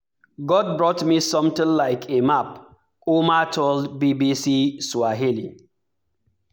God brought me something like a map, Ouma told BBC Swahili.